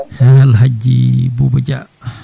alahaji Boubou Dia